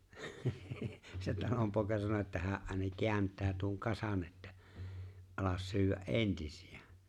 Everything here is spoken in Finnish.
se talonpoika sanoi että hän aina kääntää tuon kasan että ala syödä entisiä